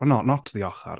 No, not to the ochr.